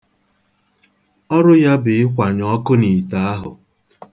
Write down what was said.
Ọrụ ya bụ ịkwanye ọkụ n'ite ahụ.